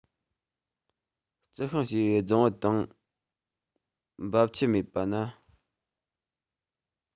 རྩི ཤིང སྐྱེས པའི རྫིང བུ དང འབབ ཆུ མེད པ ན